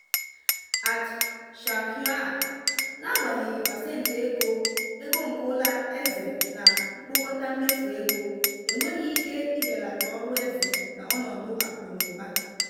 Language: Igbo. @charquaouia: N'agbanyeghị pasent ego ego nke ụlọ eze na mkpokọta mmefu ego, enweghị ike ibelata ọrụ eze na ọnọdụ akụ na ụba.